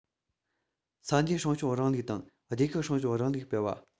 ས གནས སྲུང སྐྱོང རིང ལུགས དང སྡེ ཁག སྲུང སྐྱོང རིང ལུགས སྤེལ བ